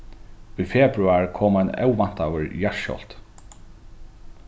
í februar kom ein óvæntaður jarðskjálvti